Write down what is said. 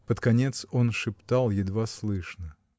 Под конец он шептал едва слышно.